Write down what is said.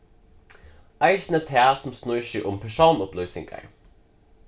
eisini tað sum snýr seg um persónsupplýsingar